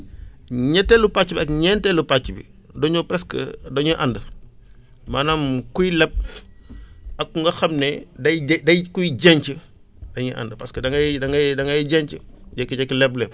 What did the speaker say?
ñetteelu pàcc bi ak ñeenteelu pàcc bi dañoo presque dañoo ànd maanaam kuy leb ak nga xam ne day de day kuy denc dañuy ànd parce que da ngay da ngay da ngay denc jékki-jékki leble